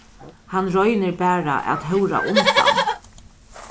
hann roynir bara at hóra undan